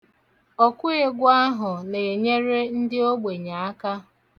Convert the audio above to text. Ọkụegwu ahụ na-enyere ndị ogbenye aka.